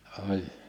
oli